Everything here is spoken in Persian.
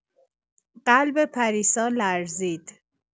قلب پریسا لرزید.